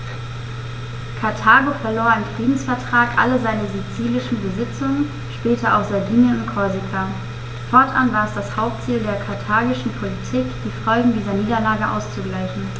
Karthago verlor im Friedensvertrag alle seine sizilischen Besitzungen (später auch Sardinien und Korsika); fortan war es das Hauptziel der karthagischen Politik, die Folgen dieser Niederlage auszugleichen.